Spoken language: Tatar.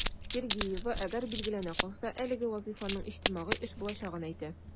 Сергеева, әгәр билгеләнә калса, әлеге вазыйфаның иҗтимагый эш булачагын әйтә.